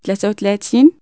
تلاتة او تلاتين